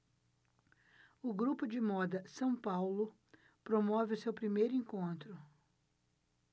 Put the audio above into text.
o grupo de moda são paulo promove o seu primeiro encontro